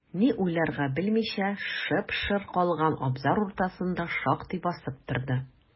Ни уйларга белмичә, шып-шыр калган абзар уртасында шактый басып торды.